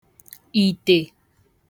ìtè